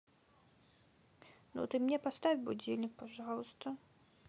ну ты мне поставь будильник пожалуйста